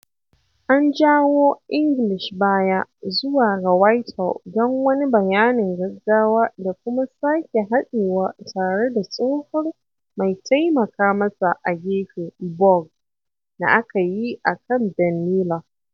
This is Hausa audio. An jawo English baya zuwa ga Whitehall don wani bayanin gaggawa da kuma sake haɗewa tare da tsohon mai taimaka masa a gefe Bough, da aka yi a kan Ben Miller.